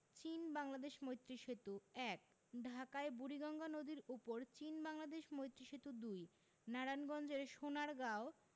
চীন বাংলাদেশ মৈত্রী সেতু ১ ঢাকায় বুড়িগঙ্গা নদীর উপর চীন বাংলাদেশ মৈত্রী সেতু ২ নারায়ণগঞ্জের সোনারগাঁও